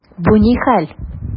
Бу ни хәл!